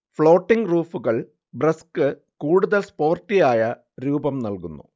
floating റൂഫുകൾ ബ്രെസ്ക്ക് കൂടുതൽ സ്പോർട്ടിയായ രൂപം നൽകുന്നു